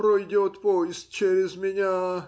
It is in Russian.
пройдет поезд через меня.